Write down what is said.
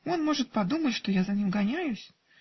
Он может подумать, что я за ним гоняюсь.